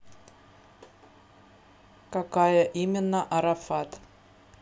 какая именно арафат